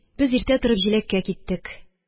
Без иртә торып җиләккә киттек.